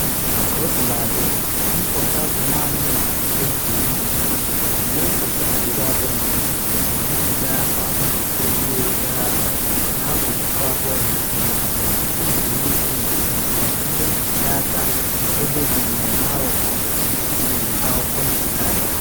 Kaosiladị, mpụta dị naanị na pasentị 16, tụlee pasentị 34 na ntuli aka nzụkọ ọmeiwu gara aga na 2016 mgbe pasentị 66 nke ndị ntuli aka edebanyere n’akwụkwọ tinyere akwụkwọ ntuli aka ha.